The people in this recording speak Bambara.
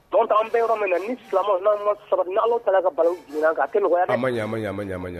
Dɔn an bɛ yɔrɔ min na ni n sɔrɔ kamama ɲama